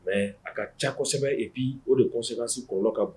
Mɛ a ka ca kosɛbɛ bi o de kɔsɛbɛsi kɔlɔn ka bɔ